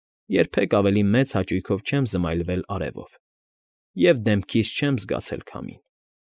Երբեք ավելի մեծ հաճույքով չեմ զմայլվել արևով և դեմքիս չեմ զգացել քամին։